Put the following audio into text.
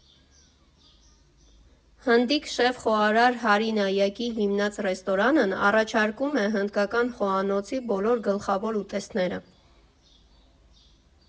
Հնդիկ շեֆ֊խոհարար Հարի Նայակի հիմնած ռեստորանն առաջարկում է հնդկական խոհանոցի բոլոր գլխավոր ուտեստները։